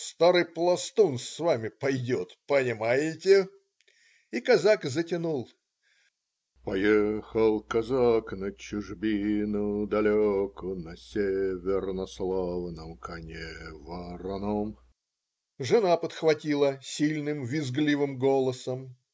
Старый пластун с вами пойдет, понимаете?" - и казак затянул: Поехал казак на чужбину далеку На север на славном коне вороном, жена подхватила сильным, визгливым голосом.